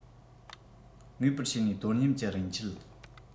ངེས པར བྱས ནས དོ སྙོམས ཀྱི རིན ཁྱད